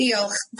Diolch.